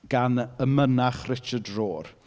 gan y mynach Richard Rohr.